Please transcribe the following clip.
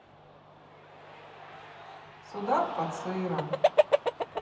судак под сыром